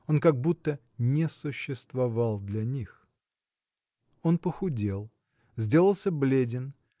он как будто не существовал для них. Он похудел, сделался бледен.